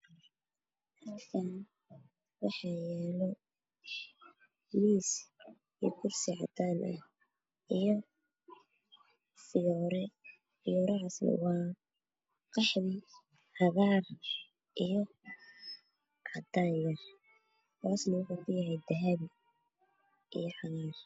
Meeshaan waxaa yaalo miis iyo kursi cadaan ah iyo fiyoore fiyoorahasuu ah qaxwi cagaar iyo cadaan yar hoosne waxuu ka yahay dahabi